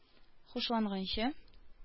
Хушланганчы